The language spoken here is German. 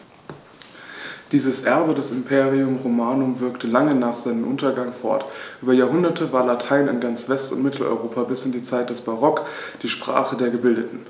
Dieses Erbe des Imperium Romanum wirkte lange nach seinem Untergang fort: Über Jahrhunderte war Latein in ganz West- und Mitteleuropa bis in die Zeit des Barock die Sprache der Gebildeten.